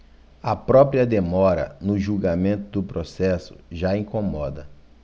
a própria demora no julgamento do processo já incomoda